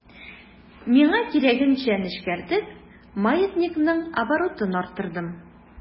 Миңа кирәгенчә нечкәртеп, маятникның оборотын арттырдым.